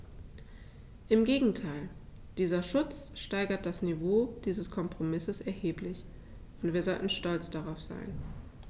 Im Gegenteil: Dieser Schutz steigert das Niveau dieses Kompromisses erheblich, und wir sollten stolz darauf sein.